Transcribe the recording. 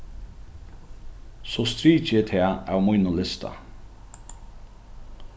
so striki eg tað av mínum lista